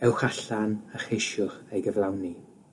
ewch allan a cheisiwch ei gyflawni.